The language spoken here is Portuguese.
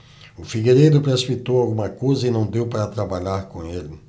o figueiredo precipitou alguma coisa e não deu para trabalhar com ele